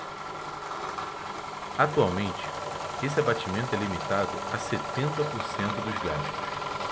atualmente esse abatimento é limitado a setenta por cento dos gastos